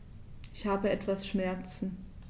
Ich habe etwas Schmerzen.